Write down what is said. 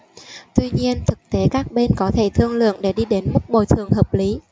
tuy nhiên thực tế các bên có thể thương lượng để đi đến mức bồi thường hợp lý